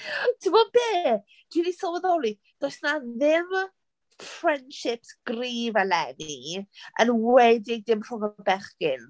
Ti'n gwybod be? Dwi 'di sylweddoli Does na ddim friendships gryf eleni yn enwedig dim rhwng y bechgyn.